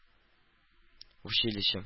Училище